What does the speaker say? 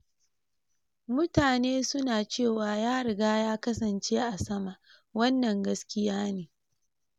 "Mutane su na cewa ya riga ya kasance a sama, wannan gaskiya ne.